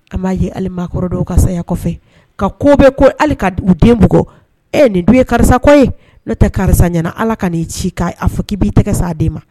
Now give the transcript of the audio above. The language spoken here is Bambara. A b'a ye hali maakɔrɔ dɔw ka saya kɔfɛ ka ko bɛ ko hali ka d u den bugo ee nin dun ye karisa kɔ ye nɔtɛ karisa ɲɛna Ala kan'i ci ka y a fɔ k'i b'i tɛgɛ s'a den ma